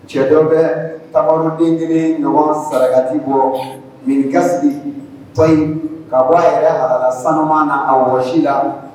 Cɛ dɔw bɛ taabolodeneni ɲɔgɔn sarakati bɔ min ka sigi fa in k kaa bɔ a yɛrɛ alala sanuma na a wɔ si la